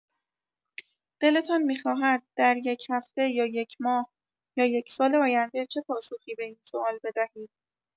دلتان می‌خواهد دریک هفته یا یک ماه یا یک سال آینده چه پاسخی به این سوال بدهید؟